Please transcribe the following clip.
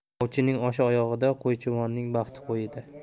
ovchining oshi oyog'ida qo'ychivonning baxti qo'yida